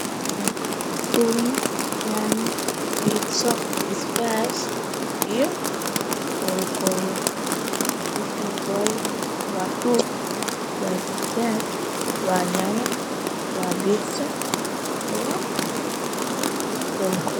Tuun Yaanyo piizo paspaas koola koolo midkaan waxaa wayee tuun waa Piizo waa yyaanyo waa toon